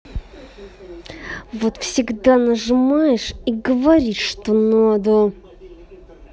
вот всегда нажимаешь и говоришь что надо